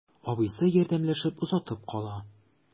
Абыйсы ярдәмләшеп озатып кала.